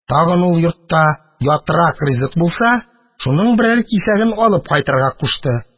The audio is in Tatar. Тагын ул йортта ятрак ризык булса, шуның берәр кисәген алып кайтырга кушты.